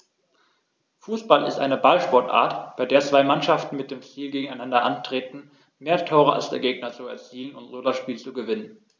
Fußball ist eine Ballsportart, bei der zwei Mannschaften mit dem Ziel gegeneinander antreten, mehr Tore als der Gegner zu erzielen und so das Spiel zu gewinnen.